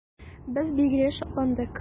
Без, билгеле, шатландык.